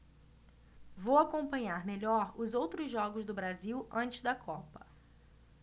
vou acompanhar melhor os outros jogos do brasil antes da copa